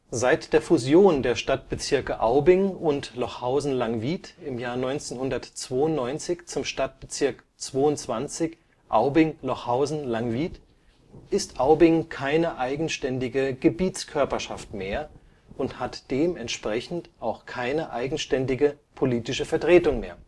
Seit der Fusion der Stadtbezirke Aubing und Lochausen - Langwied im Jahr 1992 zum Stadtbezirk 22 Aubing-Lochhausen-Langwied ist Aubing keine eigenständige Gebietskörperschaft mehr und hat dementsprechend auch keine eigenständige politische Vertretung mehr